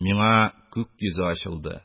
Миңа күк йөзе ачылды